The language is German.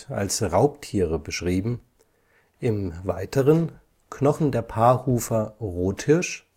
als Raubtiere beschrieben, im weiteren Knochen der Paarhufer Rothirsch